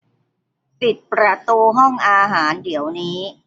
ปิดประตูห้องอาหารเดี๋ยวนี้